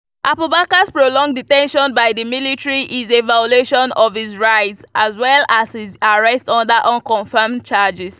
Abubacar’s prolonged detention by the military is a violation of his rights as well as his arrest under unconfirmed charges.